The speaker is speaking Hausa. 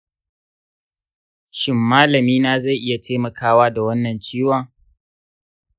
shin malami na zai iya taimakawa da wannan ciwon?